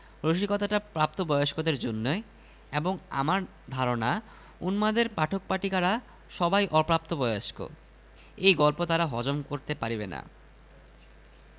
রসিকতাটা প্রাত বয়স্কদের জন্যে এবং অমির ধারণা উন্মাদের পাঠক পাঠিকারা সবাই অপ্রাতবয়স্ক এই গল্প তারা হজম করতে পারিবে না